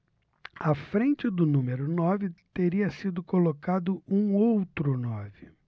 à frente do número nove teria sido colocado um outro nove